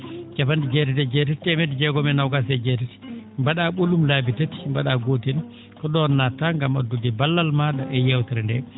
cappan?e jeetati e jeetati temed?ee jeegom e noogaas e jaatati mba?aa ?olum laabi tati mba?aa gotel ko ?oo nattaa ngam addude ballal maa?a e yeewtere nde